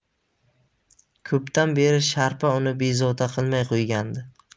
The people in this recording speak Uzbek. ko'pdan beri sharpa uni bezovta qilmay qo'ygandi